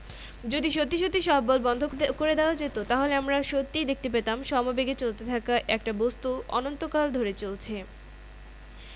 অতিক্রান্ত দূরত্ব এবং তাদের একটির সাথে অন্যটির সম্পর্ক শিখেছি গতির সমীকরণগুলো বের করেছি এবং গতিসংক্রান্ত সমস্যা সমাধান করতে সেগুলো ব্যবহারও করেছি